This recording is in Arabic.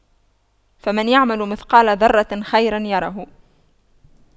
فَمَن يَعمَل مِثقَالَ ذَرَّةٍ خَيرًا يَرَهُ